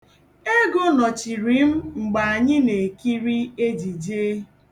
Ego nọchiri m mgbe anyị na-ekiri ejije.